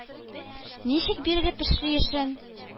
Ничек бирелеп эшли эшен...